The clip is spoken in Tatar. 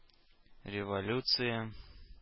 Революция